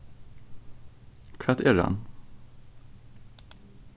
hvat er hann